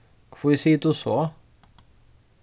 hví sigur tú so